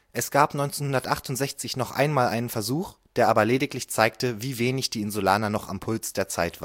Es gab 1968 noch einmal einen Versuch, der aber lediglich zeigte, wie wenig die Insulaner noch am Puls der Zeit